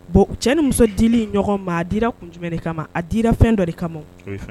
Bon cɛ ni muso di ɲɔgɔn maa dira kun jumɛn kama a dira fɛn dɔ de kama